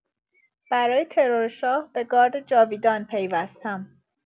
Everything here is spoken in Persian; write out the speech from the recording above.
برای ترور شاه به گارد جاویدان پیوستم!